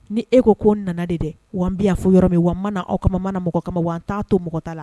Ni e ko ko nana de dɛ waan bɛ' fɔ yɔrɔ min wa mana aw ka mana mɔgɔ kama wa n taa to mɔgɔ ta la